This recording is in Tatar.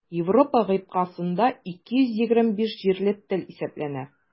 Европа кыйтгасында 225 җирле тел исәпләнә.